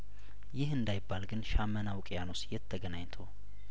ይህ እንዳይባል ግን ሻመና ውቅያኖስ የት ተገናኝቶ